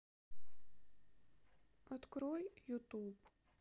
открой ютуб